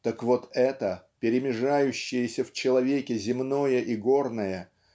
Так вот это перемежающееся в человеке земное и горное